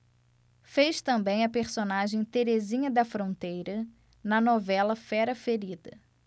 fez também a personagem terezinha da fronteira na novela fera ferida